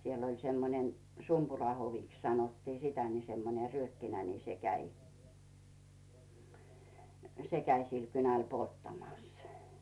siellä oli semmoinen Sumpurahoviksi sanottiin sitä niin semmoinen ryökkinä niin se kävi se kävi sillä kynällä polttamassa